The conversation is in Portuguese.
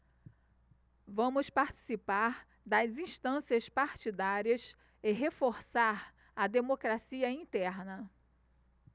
vamos participar das instâncias partidárias e reforçar a democracia interna